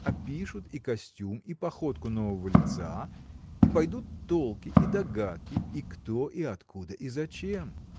опишут и костюм и походку нового лица и пойдут толки и догадки и кто и откуда и зачем.